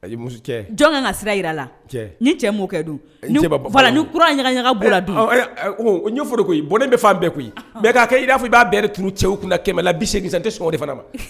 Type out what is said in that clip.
A cɛ jɔn nana sira jira la ni cɛ mɔkɛ don la ni kura ɲaga bolooro koyi bɔn bɛ fan bɛɛ koyi bɛɛ' kɛ i' fɔ i b'a tu cɛw kun kɛmɛ la bi seginsan tɛ sɔn de fana ma